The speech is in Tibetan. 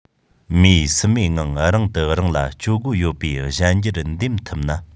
མིས སུན མེད ངང རིང དུ རང ལ སྤྱོད སྒོ ཡོད པའི གཞན འགྱུར འདེམས ཐུབ ན